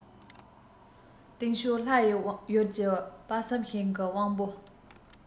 སྟེང ཕྱོགས ལྷ ཡི ཡུལ གྱི དཔག བསམ ཤིང གི དབང པོ